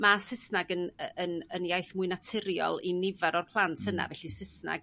ma' Susnag yn yn yn iaith mwy naturiol i nifer o'r plant yna felly Susnag